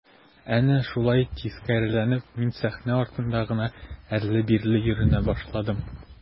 Әнә шулай тискәреләнеп мин сәхнә артында гына әрле-бирле йөренә башладым.